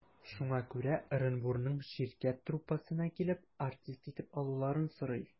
Шуңа күрә Ырынбурның «Ширкәт» труппасына килеп, артист итеп алуларын сорый.